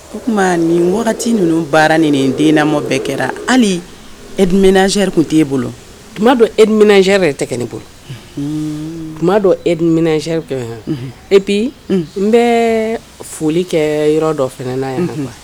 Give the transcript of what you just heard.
O tuma nin wagati ninnu baara ni den lamɔma bɛɛ kɛra hali emri tun tɛe bolo b don e miniɛnɛnri yɛrɛ tɛ kɛ ne bolo tuma b dɔn emre na epi n bɛ foli kɛ yɔrɔ dɔ fana na ye